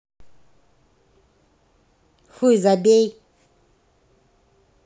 хуй забей